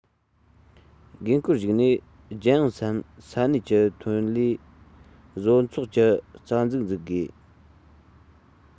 དགོས མཁོར གཞིགས ནས རྒྱལ ཡོངས སམ ས གནས ཀྱི ཐོན ལས བཟོ ཚོགས ཀྱི རྩ འཛུགས འཛུགས དགོས